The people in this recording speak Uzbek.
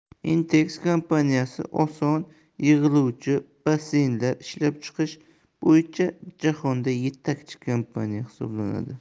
intex kompaniyasi oson yig'iluvchi basseynlar ishlab chiqarish bo'yicha jahonda yetakchi kompaniya hisoblanadi